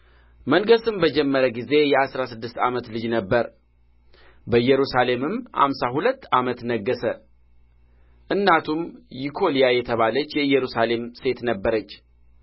መንገሥም በጀመረ ጊዜ የአሥራ ስድስት ዓመት ልጅ ነበረ በኢየሩሳሌምም አምሳ ሁለት ዓመት ነገሠ እናቱም ይኮልያ የተባለች የኢየሩሳሌም ሴት ነበረች